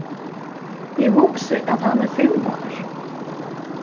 eg hugsi at hann er fimm ár